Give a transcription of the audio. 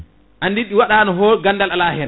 andi ɗi waɗano ho gandal ala hen